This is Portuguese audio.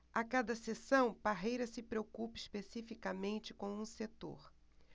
a cada sessão parreira se preocupa especificamente com um setor